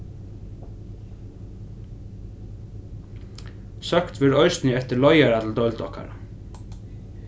søkt verður eisini eftir leiðara til deild okkara